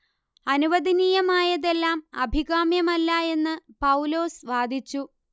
അനുവദനീയമായതെല്ലാം അഭികാമ്യമല്ല എന്ന് പൗലോസ് വാദിച്ചു